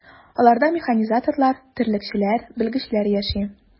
Аларда механизаторлар, терлекчеләр, белгечләр яши.